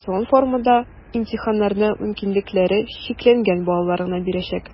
Традицион формада имтиханнарны мөмкинлекләре чикләнгән балалар гына бирәчәк.